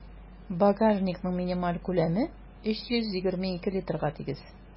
Багажникның минималь күләме 322 литрга тигез.